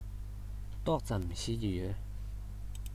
ཏོག ཙམ ཤེས ཀྱི ཡོད